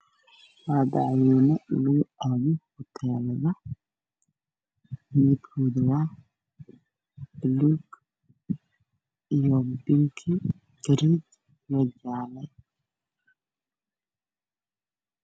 Waa carwo waxaa ii muuqda dhar dumar